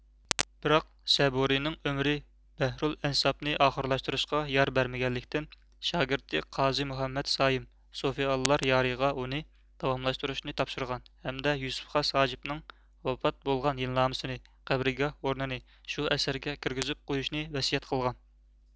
بىراق سەبۇرىنىڭ ئۆمرى بەھرۇل ئەنساب نى ئاخىرلاشتۇرۇشقا يار بەرمىگەنلىكتىن شاگىرتى قازى مۇھەممەد سايىم سوفىئاللار يارىغا ئۇنى داۋاملاشتۇرۇشنى تاپشۇرغان ھەمدە يۈسۈپ خاس ھاجىپنىڭ ۋاپات بولغان يىلنامىسىنى قەبرىگاھ ئورنىنى شۇ ئەسەرگە كىرگۈزۈپ قويۇشنى ۋەسىيەت قىلغان